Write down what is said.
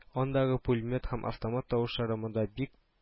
Андагы пулемет һәм автомат тавышлары монда бик